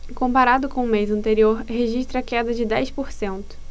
comparado com o mês anterior registra queda de dez por cento